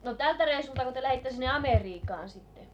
no tältä reissultako te lähditte sinne Amerikkaan sitten